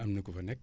am na ku fa nekk